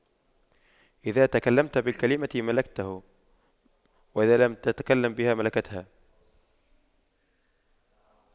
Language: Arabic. إذا تكلمت بالكلمة ملكتك وإذا لم تتكلم بها ملكتها